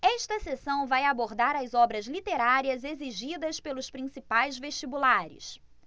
esta seção vai abordar as obras literárias exigidas pelos principais vestibulares